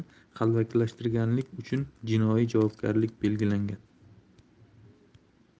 qalbakilashtirganlik uchun jinoiy javobgarlik belgilangan